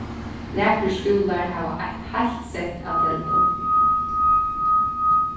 nakrir skúlar hava eitt heilt sett av teldum